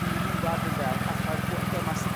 di niwad ynde? 'Allai'r gw- gema' sy